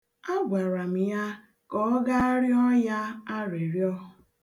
A gwara m ya ka ọ gaa rịọọ ya arịrịọ.